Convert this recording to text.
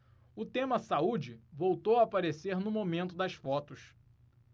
o tema saúde voltou a aparecer no momento das fotos